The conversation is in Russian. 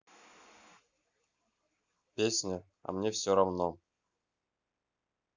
песня а мне все равно